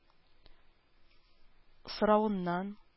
Соравыннан